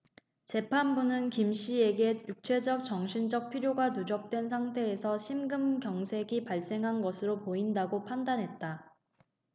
재판부는 김씨에게 육체적 정신적 피로가 누적된 상태에서 심근경색이 발생한 것으로 보인다고 판단했다